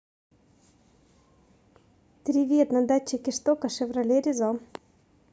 привет на датчике штока шевроле резо